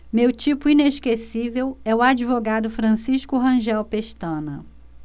meu tipo inesquecível é o advogado francisco rangel pestana